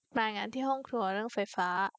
รายงานที่ห้องครัวเรื่องไฟฟ้า